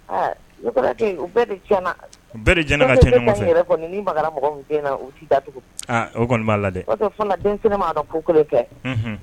U bɛɛ mara da tugu o kɔni b'a lajɛ den ma ka ko kelen kɛ